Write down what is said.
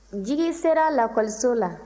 jigi sera lakɔliso la